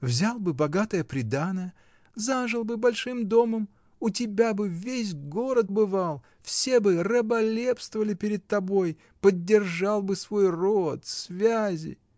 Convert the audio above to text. Взял бы богатое приданое, зажил бы большим домом, у тебя бы весь город бывал, все бы раболепствовали перед тобой, поддержал бы свой род, связи.